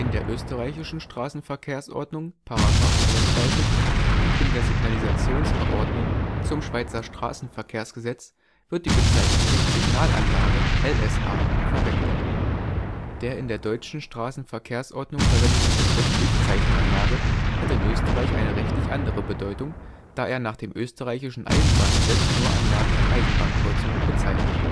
der österreichischen Straßenverkehrsordnung (§ 39) und in der Signalisationsverordnung (SSV) zum Schweizer Strassenverkehrsgesetz wird die Bezeichnung Lichtsignalanlage (LSA) verwendet. Der in der deutschen StVO verwendete Begriff Lichtzeichenanlage hat in Österreich eine rechtlich andere Bedeutung, da er nach dem österreichischen Eisenbahngesetz nur Anlagen an Eisenbahnkreuzungen bezeichnet